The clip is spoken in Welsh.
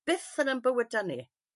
byth yn 'yn bywyda ni.